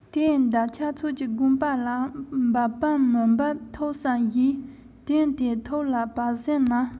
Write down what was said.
དེ འདབ ཆགས ཚོགས ཀྱི དགོངས པ ལ འབབ བམ མི འབབ ཐུགས བསམ བཞེས དོན དེ ཐུགས ལ བབས ཟེར ན